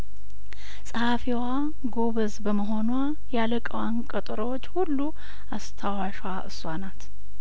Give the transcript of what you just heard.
ጸሀፊዋ ጐበዝ በመሆኗ ያለቃዋን ቀጠሮዎች ሁሉ አስታዋሿ እሷ ናት